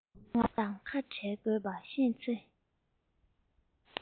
ང དང ཁ འབྲལ དགོས པ ཤེས ཚེ